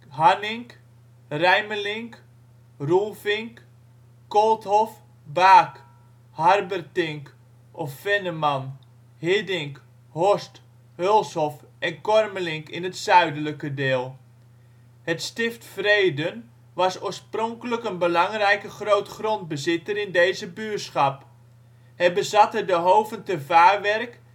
Hannink, Reimelink, Roelvink, Kolthof, Baak, Harbertink of Venneman, Hiddink, Horst, Hulshof en Kormelink in het zuidelijke deel. Het Stift Vreden was oorspronkelijk een belangrijke grootgrondbezitter in deze buurschap. Het bezat er de hoven te Vaarwerk en Olminkhof